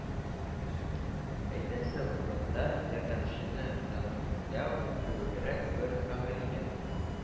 Әйтәсе урында ярдәмчене тәнкыйтьләү кебегрәк бер фәгалиять